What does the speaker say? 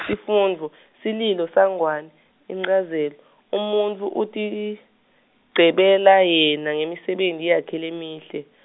sifundvo, sililo SaNgwane, inchazelo, umuntfu utigcebela yena, ngemisebenti yakhe lemihle.